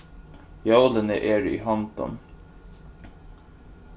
jólini eru í hondum